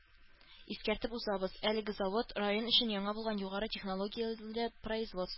Искәртеп узабыз, әлеге завод – район өчен яңа булган югары технологияле производство